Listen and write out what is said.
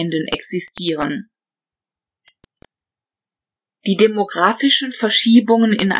existieren. Die demographischen Verschiebungen